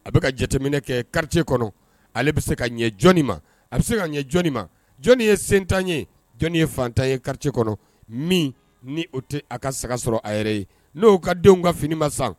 A bɛ ka jateminɛ kɛ kariti kɔnɔ ale bɛ se ka ɲɛ jɔn ma a bɛ se ka ɲɛ jɔnni ma jɔn ye sentan ye jɔnni ye fatan ye kariti kɔnɔ min ni tɛ a ka saga sɔrɔ a yɛrɛ ye n'o ka denw ka fini ma san